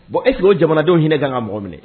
Bon e tun jamanadenw hinɛ kanga mɔgɔ minɛ